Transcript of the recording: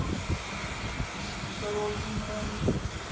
короткий мультик